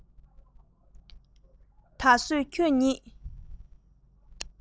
ད བཟོད ཁྱོད ཉིད